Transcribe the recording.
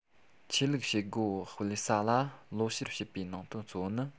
ཆོས ལུགས བྱེད སྒོ སྤེལ ས ལ ལོ བཤེར བྱེད པའི ནང དོན གཙོ བོ ནི